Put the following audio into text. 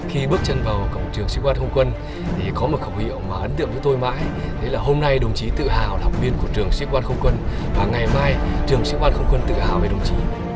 khi bước chân vào cổng trường sĩ quan không quân thì có một khẩu hiệu mà ấn tượng với tôi mãi thế là hôm nay đồng chí tự hào động viên của trường sĩ quan không quân và ngày mai trường sĩ quan không quân tự hào về đồng trí